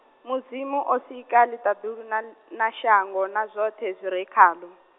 Mudzimu o sika ḽiṱaḓulu na l-, na shango na zwoṱhe zwire khaḽo.